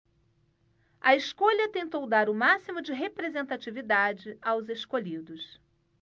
a escolha tentou dar o máximo de representatividade aos escolhidos